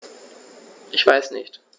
Ich weiß nicht.